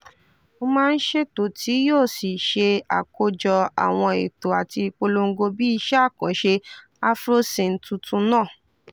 Ó máa ń ṣètò tí yóò sì ṣe àkójọ àwọn ètò àti ìpolongo bíi iṣẹ́ àkànṣe AfroCine tuntun náà.